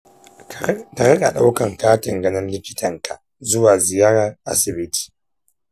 ka riƙa ɗaukan katin ganin likitanka zuwa ziyarar asibiti.